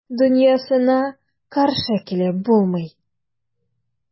Дөньясына каршы килеп булмый.